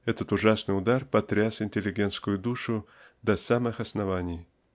Этот ужасный удар потряс интеллигентскую душу до самых оснований.